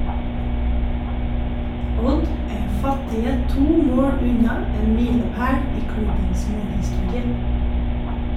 Odd er fattige to mål unna en milepæl i klubbens målhistorie.